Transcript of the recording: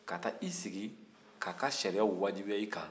ka t'i sigi k'a ka sariyaw wajibiya i kan